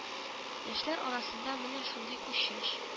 Яшьләр арасында менә шундый күчеш